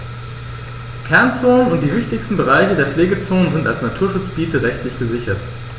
Kernzonen und die wichtigsten Bereiche der Pflegezone sind als Naturschutzgebiete rechtlich gesichert.